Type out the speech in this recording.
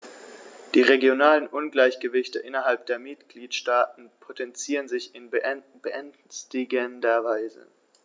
Die regionalen Ungleichgewichte innerhalb der Mitgliedstaaten potenzieren sich in beängstigender Weise.